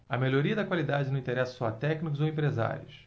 a melhoria da qualidade não interessa só a técnicos ou empresários